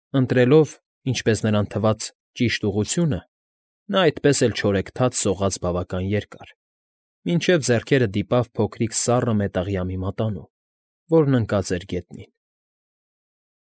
Ընտրելով, ինչպես նրան թվաց, ճիշտ ուղղությունը, նա այդպես էլ չորեքթաթ սողաց բավական երկար, մինչև ձեռքը դիպավ փոքրիկ սառը մետաղյա մի մատանու, որն ընկած էր գետնին։